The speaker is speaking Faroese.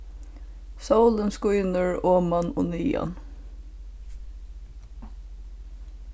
sólin skínur oman og niðan